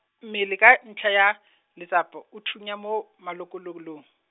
mmele ka ntlha ya, letsapa o thunya mo, maloko -lokolong.